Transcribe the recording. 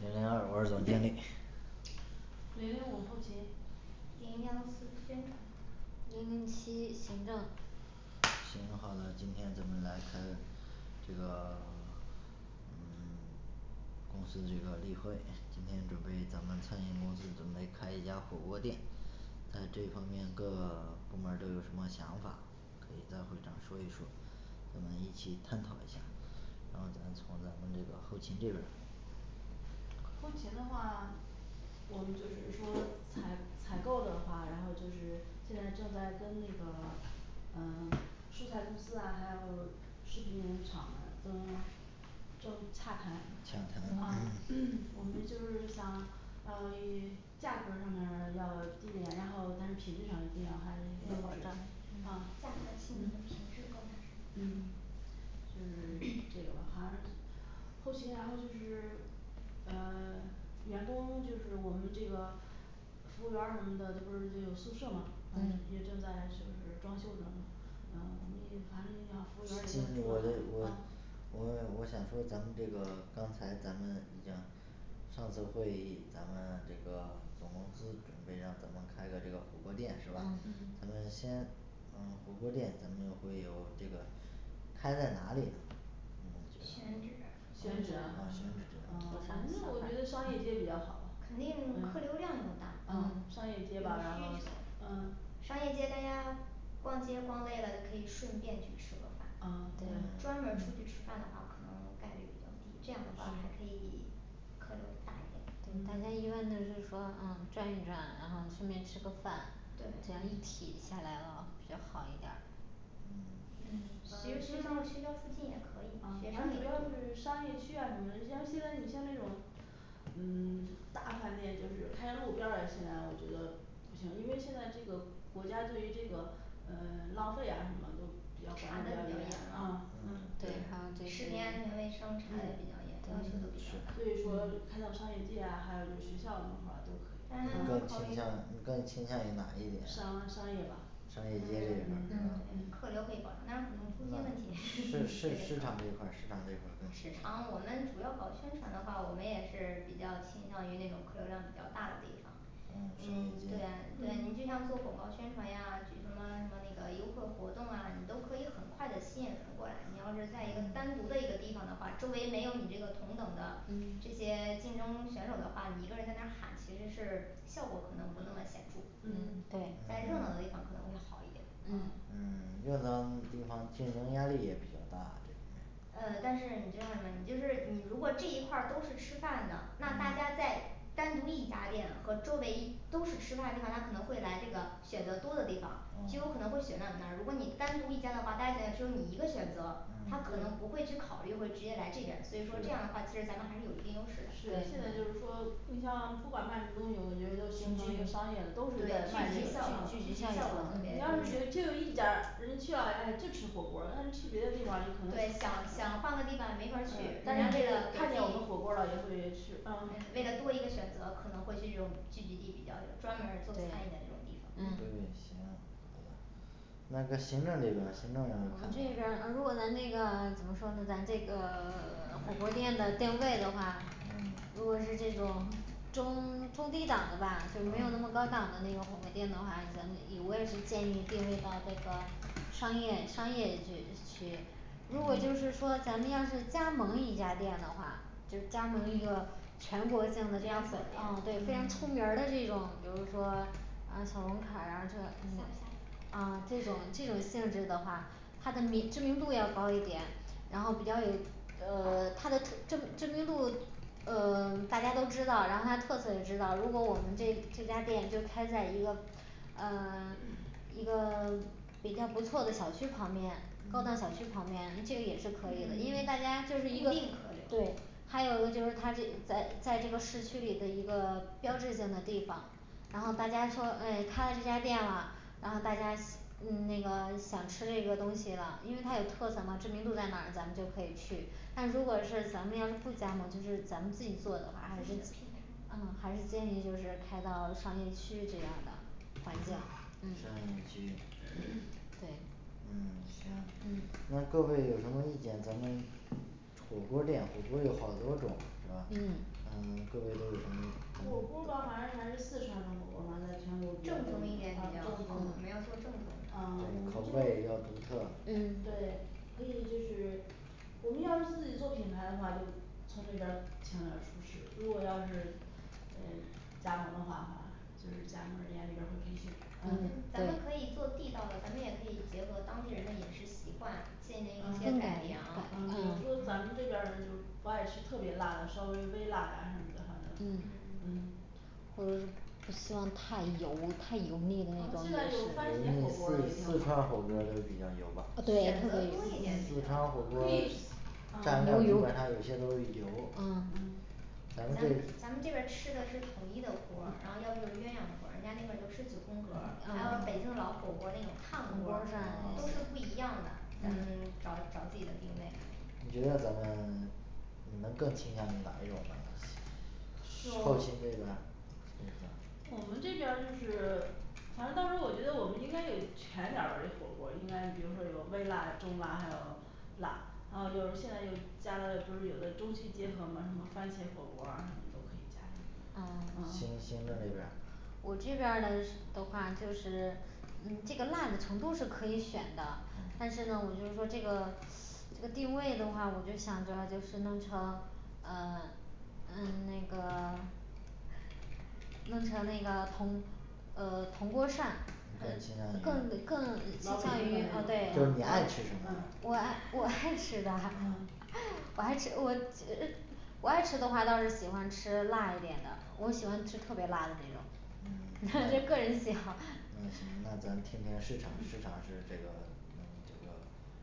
零零二我是总经理零零五后勤零幺四宣传零零七行政行好的，今天咱们来开这个嗯 公司这个例会，今天准备咱们餐饮公司准备开一家火锅店后勤的话，我们就是说采采购的话，然后就是现在正在跟那个呃 蔬菜公司啊还有食品研究厂们都 正洽谈，洽谈啊 我们就是想要以价格儿上面儿要低廉，然后但是品质上一定要还是有优保质证的啊价格儿亲民嗯品质高大上嗯就是 这个吧好像是后勤，然后就是呃 员工就是我们这个服务员儿什么的都不是这有宿舍嘛反正也正在就是装修当中呃我们也反正也要服务员就儿也我的要住了我的啊我我想说咱们这个刚才咱们已经上次会议，咱们这个总公司准备让咱们开个这个火锅店是吧？嗯咱们先呃火锅店咱们就会有这个开在哪里呢嗯选址选址啊嗯嗯那我觉得商业街比较好肯定客流量要嗯大嗯商业街吧然后有需嗯求商业街大家逛街逛累了就可以顺便去吃个饭，啊对专门出去嗯吃嗯饭的话可能概率比较低，这样的话还可是以客流大一点儿大嗯家一般都是说嗯转一转然后顺便吃个饭，对这样一体下来了比较好一点儿嗯嗯别呃人实说际上上学校附近也可以学生多一点儿啊反正主要是商业区啊什么的像现在你像那种嗯 大饭店就是开路边儿嘞，现在我觉得不行，因为现在这个国家对于这个呃浪费啊什么都比查较管得的比比较较严严啊对啊嗯嗯嗯还要嗯对食品安全卫生查的比较严要求都比较所大是以说嗯开到商业街呀还有就学校门口儿但他你还要更都考可以啊倾虑向你更倾向与哪一点儿啊商商业吧商业街这嗯种，嗯嗯对嗯嗯客流可以保障，但是可能租金啊问题 有是市市场这一点块儿高市场这一块儿更市场我们主要搞宣传的话我们也是比较倾向于那种客流量比较大的地方嗯商嗯对业呀街对你嗯就像做广告宣传呀，举什么什么那个优惠活动啊，你都可以很快的吸引人过来，你要是在一个嗯单独的一个地方的话，周围没有你这个同等的这嗯些竞争选手的话你一个人在那儿喊其实是效果可能不那么显著，嗯嗯对在热闹的地方可能会好一点儿嗯嗯嗯嗯热闹的地方竞争压力也比较大这种呃但是你就什么你就是，你如果这一块儿都是吃饭的，那大嗯家在单独一家店和周围都是吃饭的地方，他可能会来这个选择多的地方嗯就有可能会选到你那儿，如果你单独一家的话，大家觉得只有你一个选择嗯他可能不会去考虑会直接来这边儿，所以说这样的话其实咱们还是有一定优势的是现在就是说你像不管卖什么东西，我觉得都形成一个商业的都是对在卖这聚个集效果嗯聚集效果特嗯别你要是有对就有一家儿人去了唉就吃火锅儿，但是去别的地方儿你可能呃对啊想想换个地方你没法儿去但人是家这嗯个看见我们火锅儿了也会吃嗯嗯嗯为了多一个选择可能会去这种聚集地比较就专门做餐饮的对这种地方嗯也行对那这行政这边儿行政这边儿看怎么样嗯中 中低档的吧就没有那么高档的那种火锅儿店的话，咱们我也是建议定位到这个商业商业的去如果就嗯是说咱们要是加盟一家店的话，就加盟一个全国性的连锁，啊店对非常出嗯名儿的这种比如说啊小红卡啊这嗯行行啊这种这种性质的话它的名知名度要高一点然后比较有呃 他的特知知名度，呃 大家都知道，然后他特色也知道，如果我们这这家店就开在一个呃 一个 比较不错的小区旁边高档小区旁边，这个也是可以的，嗯因为大家就是固一定个客流对还有个就是他这在在这个市区里的一个标志性的地方，然后大家说诶开了这家店了然后大家嗯那个想吃这个东西了，因为他有特色嘛，知名度在那儿咱们就可以去但如果是咱们要是不加盟就是咱们自己做的话还是品牌呃还是建议说是开到商业区这样的环境嗯嗯商业区嗯 对嗯嗯行那各位有什么意见咱们火锅儿店火锅儿有好多种是吧嗯呃各位都有什么火锅儿吧好像还是四川的火锅儿吧在全国比正较有宗一名的点啊比较好正我们要宗做正宗的啊我们口味就也要独特嗯对可以就是我们要是自己做品牌的话，就从那边儿请点儿，厨师如果要是呃加盟的话哈就是加盟人员那边儿会培训，对嗯咱们对可以做地道的，咱们也可以结合当地人的饮食习惯啊进行一些改良啊比如啊说咱们这边儿人就不爱吃特别辣的，稍微微辣呀什么的反正都嗯嗯嗯我不希望太油太油腻了那呃种现在有油番美食茄火腻锅儿也四挺四好川火锅儿都比较油吧选择多呃对一点儿四比较川好火锅可儿以啊蘸料牛基本油上有些都是油嗯嗯咱咱们们这咱们这边儿吃的是统一的锅儿然后要不就鸳鸯锅儿，人家那边儿都是九宫格儿，还有北京的啊老火锅儿那种碳铜锅锅儿儿涮啊都是不一样的，咱们嗯找找自己的定位可以你觉得咱们你们更倾向于哪一种呢后就勤这边儿先说我们这边儿就是反正到时候儿我觉得我们应该有全点儿吧这火锅儿，应该比如说有微辣中辣，还有辣还有就现在又加了，不是有的中西结合嘛什么番茄火锅儿啊什么都可以加上啊嗯行嗯行政这边儿我看这怎么样边儿呢的话就是嗯这个辣的程度是可以选的，嗯但是呢我就是说这个这个的定位的话，我就想着就是弄成呃嗯那个弄成那个铜呃铜锅儿涮更倾向于，更更老北京倾向于的嗯那就对种嗯是你爱吃什么嗯我爱我爱吃的 嗯 我爱吃我呃我爱吃的话倒是喜欢吃辣一点儿的，我喜欢吃特别辣的那种。看这个人喜好 嗯那咱听听市场嗯 市场是这个嗯这个